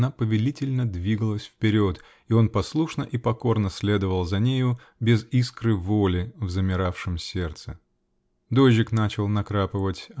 она повелительно двигалась вперед -- и он послушно и покорно следовал за нею, без искры воли в замиравшем сердце. Дождик начал накрапывать.